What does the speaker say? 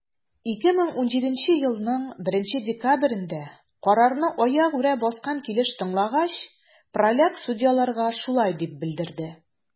2017 елның 1 декабрендә, карарны аягүрә баскан килеш тыңлагач, праляк судьяларга шулай дип белдерде: